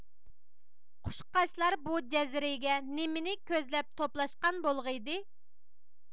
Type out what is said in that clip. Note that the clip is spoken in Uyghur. قۇشقاچلار بۇ جەزىرىگە نېمىنى كۆزلەپ توپلاشقان بولغىيدى